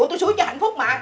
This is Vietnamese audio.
ủa tui xúi cho hạnh phúc mà